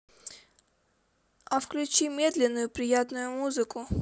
а включи медленную приятную музыку